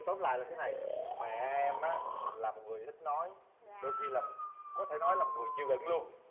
tóm lại là thế này mẹ em á là một người ít nói đôi khi là có thể nói là một người chịu đựng luôn